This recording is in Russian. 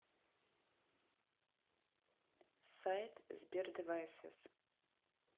сайт сбердевайсес